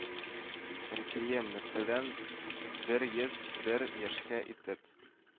Әнкәем, мәсәлән, бер йөз бер яшькә итеп